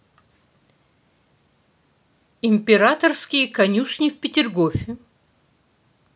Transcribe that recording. императорские конюшни в петергофе